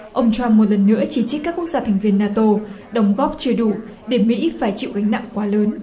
ông trăm một lần nữa chỉ trích các quốc gia thành viên na tô đóng góp chưa đủ để mỹ phải chịu gánh nặng quá lớn